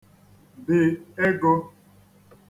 bì ego